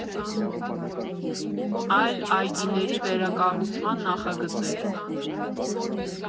Այլ այգիների վերակառուցման նախագծեր։